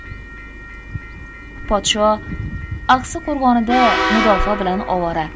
podsho axsi qo'rg'onida mudofaa bilan ovora